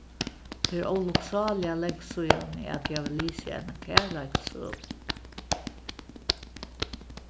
tað er ólukksáliga langt síðani at eg havi lisið eina kærleikssøgu